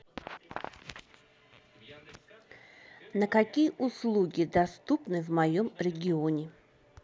на какие услуги доступны в моем регионе